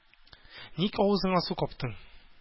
Ник авызыңа су каптың?